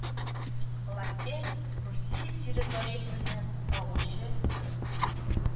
Лаке Русия территориясеннән агучы елга